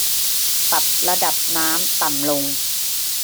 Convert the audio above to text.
ปรับระดับน้ำต่ำลง